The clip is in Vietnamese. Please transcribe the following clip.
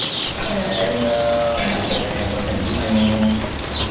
em a em có thể giúp anh